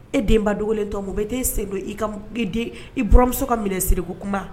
E denba dogolen tɔ o bɛɛ tɛ e se don i i bɔramuso ka minɛ siriku kunba